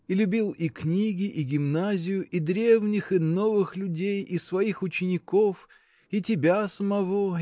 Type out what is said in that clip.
и любил и книги, и гимназию, и древних, и новых людей, и своих учеников. и тебя самого.